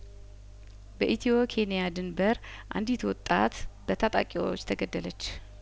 በኢትዮ ኬንያ ድንበር አንዲት ወጣት በታጣቂዎች ተገደለች